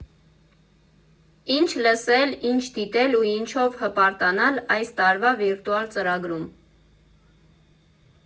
Ինչ լսել, ինչ դիտել ու ինչով հպարտանալ այս տարվա վիրտուալ ծրագրում։